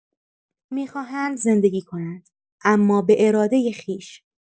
می‌خواهند زندگی کنند اما به ارادۀ خویش.